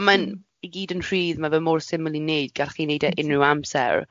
A mae'n i gyd yn rhydd, ma' fe mor syml i wneud, gallech chi wneud e unrhyw amser.